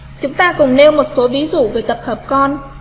chúng ta cùng nêu một số ví dụ về tập hợp con